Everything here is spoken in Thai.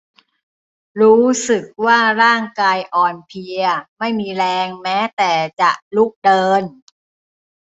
รู้สึกว่าร่างกายอ่อนเพลียไม่มีแรงแม้แต่จะลุกเดิน